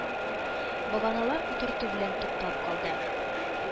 Баганалар утырту белән туктап калды.